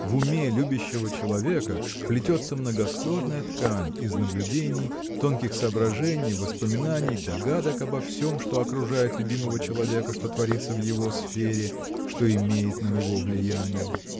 В уме любящего человека плетется многосложная ткань из наблюдений тонких соображений воспоминаний догадок обо всем что окружает любимого человека что творится в его сфере что имеет на него влияние.